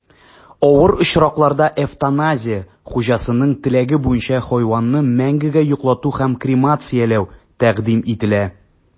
Авыр очракларда эвтаназия (хуҗасының теләге буенча хайванны мәңгегә йоклату һәм кремацияләү) тәкъдим ителә.